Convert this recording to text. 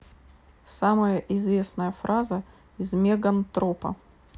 самая известная фраза из мегантропа